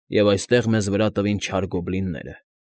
Եվ այստեղ մեզ վրա տվին չար գոբլինները։